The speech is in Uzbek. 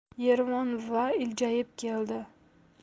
ermon buva iljayib keldi